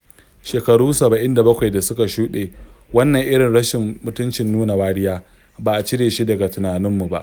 Shekaru 77 da suka shuɗe wannan [irin rashin mutuncin nuna wariya] ba a cire shi daga tunaninmu ba.